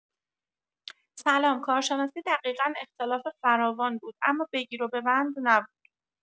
سلام کارشناسی دقیقا اختلاف فراوان بود اما بگیر و ببند نبود.